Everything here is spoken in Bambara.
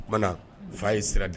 O tuma fa y yei sira dɛ